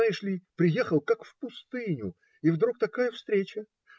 Знаешь ли, приехал, как в пустыню, и вдруг такая встреча!